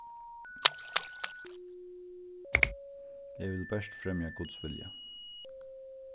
eg vil bert fremja guds vilja